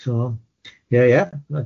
So ie ie.